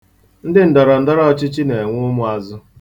Ndị ndọrọndọrọ ọchịchị na-enwe ụmụazụ.